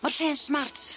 Ma'r lle'n smart.